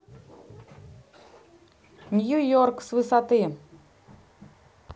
нью йорк с высоты